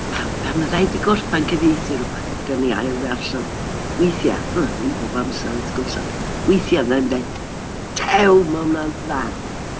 A pan fydda i 'di gorffen cyfieithu rywbeth, ac yn ei ailddarllen o... weithiau ddim pob amser wrth gwrs, weithiau fydda i'n deud, "dew, ma' hwnna'n dda"!